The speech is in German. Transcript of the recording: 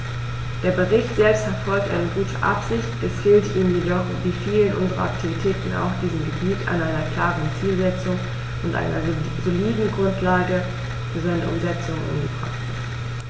Der Bericht selbst verfolgt eine gute Absicht, es fehlt ihm jedoch wie vielen unserer Aktivitäten auf diesem Gebiet an einer klaren Zielsetzung und einer soliden Grundlage für seine Umsetzung in die Praxis.